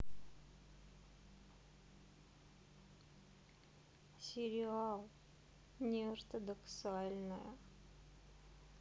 сериал неортодоксальная